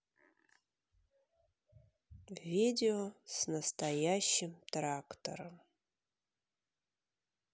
видео с настоящим трактором